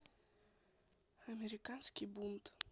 американский бунт